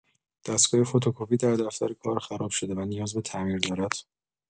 دستگاه فتوکپی در دفتر کار خراب شده و نیاز به تعمیر دارد.